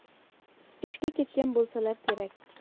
ishga ketgan bo'lsalar kerak